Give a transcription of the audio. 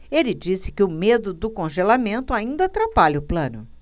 ele disse que o medo do congelamento ainda atrapalha o plano